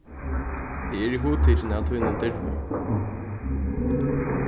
eg eri hugtikin av tínum dirvi